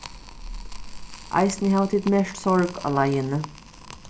eisini hava tit merkt sorg á leiðini